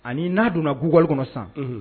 Ani n'a donna b buuwali kɔnɔ san